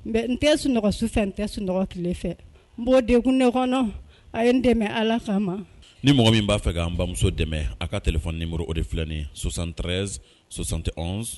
Mɛ n tɛɔgɔ sufɛ n tɛ sunɔgɔ tile fɛ n mɔgɔ dekun ne kɔnɔ a ye n dɛmɛ ala kama ni mɔgɔ min b'a fɛ' bamuso dɛmɛ a ka t ni mori o defi ni sonsantreyz sonsante